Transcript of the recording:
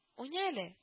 Уйна әле